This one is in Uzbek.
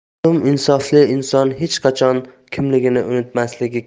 noma'lum insofli inson hech qachon kimligini unutmasligi